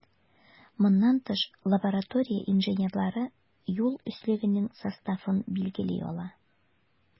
Моннан тыш, лаборатория инженерлары юл өслегенең составын билгели ала.